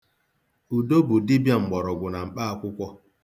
Udo bụ dibịa mgbọrọgwụ na mkpa akwụkwọ.